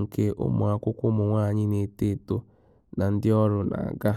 nke ụmụakwụkwọ ụmụnwaanyị na-eto eto na ndị ọrụ na-aga.